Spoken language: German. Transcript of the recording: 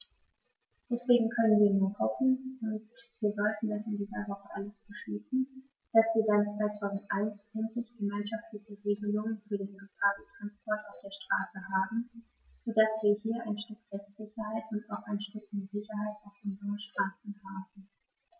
Deswegen können wir nur hoffen - und wir sollten das in dieser Woche alles beschließen -, dass wir dann 2001 endlich gemeinschaftliche Regelungen für den Gefahrguttransport auf der Straße haben, so dass wir hier ein Stück Rechtssicherheit und auch ein Stück mehr Sicherheit auf unseren Straßen haben.